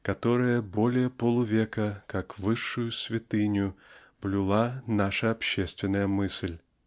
которые более полувека как высшую святыню блюла наша общественная мысль.